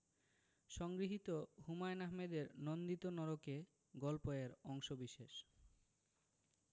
সংগৃহীত হুমায়ুন আহমেদের নন্দিত নরকে গল্প এর অংশবিশেষ